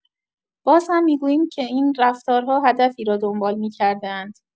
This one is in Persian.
باز هم می‌گویم که این رفتارها هدفی را دنبال می‌کرده‌اند.